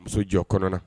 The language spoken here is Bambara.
Muso jɔ kɔnɔna